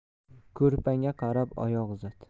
ko'rpangga qarab oyoq uzat